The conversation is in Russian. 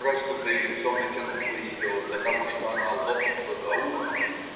раздутое лицо натянуло ее до того, что она лопнула за ухом.